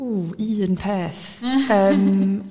www un peth yym